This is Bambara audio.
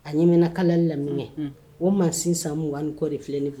A ɲɛ bɛ n na kalali la min kɛ, unhun, o machine san 20 ni kɔ de filɛ nin ye.